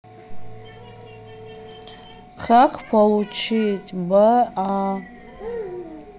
как получить б а